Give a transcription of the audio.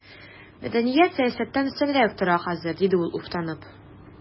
Мәдәният сәясәттән өстенрәк тора хәзер, диде ул уфтанып.